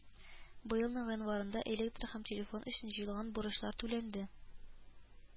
Быелның гыйнварында электр һәм телефон өчен җыелган бурычлар түләнде